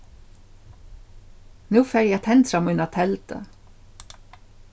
nú fari eg at tendra mína teldu